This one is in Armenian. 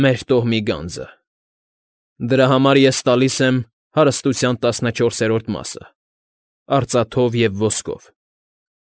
Մեր տոհմի գանձը։ Դրա համար ես տալիս եմ հարստությանս տասնչորսերորդ մասը՝ արծաթով ու ոսկով։